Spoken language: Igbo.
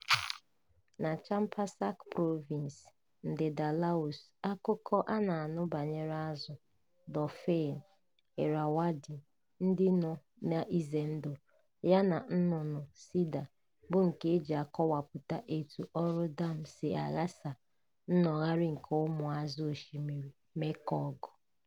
Na Champasak Province, ndịda Laos, akụkọ a na-anụ banyere azụ dọọfịn Irrawaddy ndị nọ n'ize ndụ yana nnụnụ Sida bụ nke e ji akọwapụta etu ọrụ dam si aghasa nnọgharị nke ụmụ azụ Osimiri Mekong.